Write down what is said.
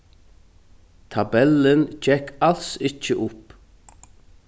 tabellin gekk als ikki upp